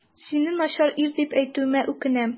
Сине начар ир дип әйтүемә үкенәм.